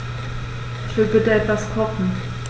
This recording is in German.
Ich will bitte etwas kochen.